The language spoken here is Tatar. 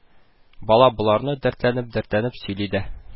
Бала боларны дәртләнеп-дәртләнеп сөйли дә: